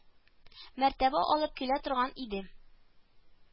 Мәртәбә алып килә торган иде